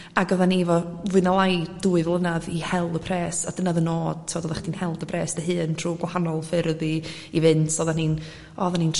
ag oddan ni efo fwy 'na lai dwy flynadd i hel y pres a dyn odd y nod t'od odda chdi'n hel y dy bres dy hun trw gwahanol ffyrdd i i fynd so oddan ni'n